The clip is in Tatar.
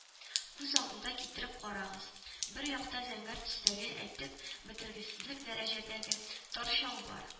Күз алдында китереп карагыз, бер якта зәңгәр төстәге, әйтеп бетергесез дәрәҗәдәге тар чалбар